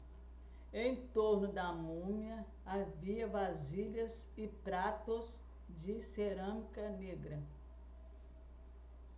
em torno da múmia havia vasilhas e pratos de cerâmica negra